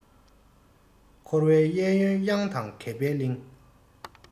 འཁོར བའི གཡས གཡོན གཡང དང གད པའི གླིང